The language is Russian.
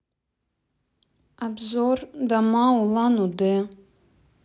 обзор дома улан удэ